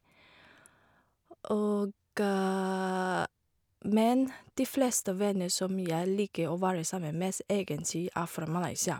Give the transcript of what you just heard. og Men de fleste venner som jeg liker å være sammen med s, egentlig er fra Malaysia.